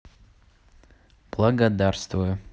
благодарствую